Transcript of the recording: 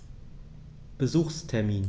Besuchstermin